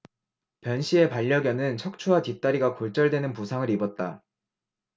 변씨의 반려견은 척추와 뒷다리가 골절되는 부상을 입었다